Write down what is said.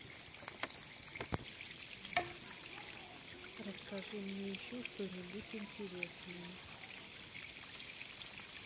расскажи мне еще что нибудь интересное